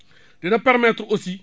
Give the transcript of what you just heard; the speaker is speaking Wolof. dana permettre aussi